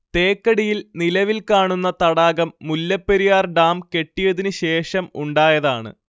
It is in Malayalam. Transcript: തേക്കടിയിൽ നിലവിൽ കാണുന്ന തടാകം മുല്ലപ്പെരിയാർ ഡാം കെട്ടിയതിന് ശേഷം ഉണ്ടായതാണ്